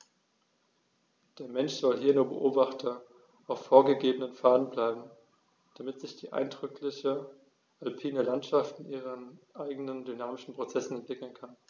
Der Mensch soll hier nur Beobachter auf vorgegebenen Pfaden bleiben, damit sich die eindrückliche alpine Landschaft in ihren eigenen dynamischen Prozessen entwickeln kann.